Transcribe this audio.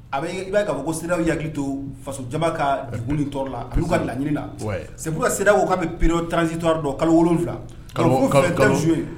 A i b'a ka fɔ ko siraw yaki to faso jamaba ka tɔɔrɔ la a ka laɲini na segu ka sira ka bɛ p peerero tanz tɔɔrɔ dɔn kalo wolo wolonwula kalo kalo